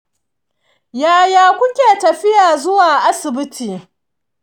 yaya kuke tafiya zuwa asibiti?